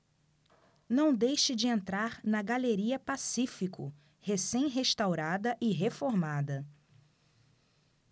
não deixe de entrar na galeria pacífico recém restaurada e reformada